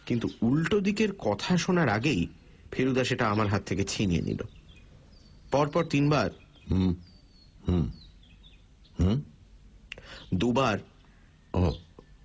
কিন্তু উলটোদিকের কথা শোনার আগেই ফেলুদা সেটা আমার হাত থেকে ছিনিয়ে নিল পর পর তিনবার হু হু হু দুবার ও